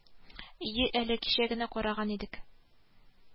Ие әле кичә генә карагн идек